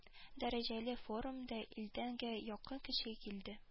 Дәрәҗәле форумга илдән гә якын кеше килде